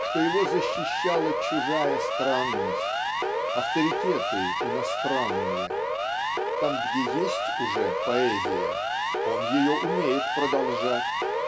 что его защищала чужая странность авторитеты иностранные. Там где есть уже поэзия он ее умеет продолжать